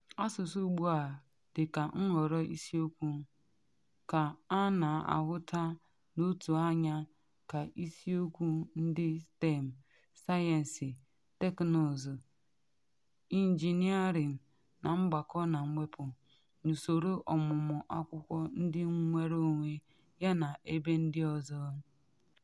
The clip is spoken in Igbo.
Asụsụ ugbu a, dị ka nhọrọ isiokwu, ka a na ahụta n’otu anya ka isiokwu ndị STEM (sayensị, teknụzụ, ịnjinịarịn na mgbakọ na mwepu) n’usoro ọmụmụ ụlọ akwụkwọ ndị nnwere onwe yana n’ebe ndị ọzọ.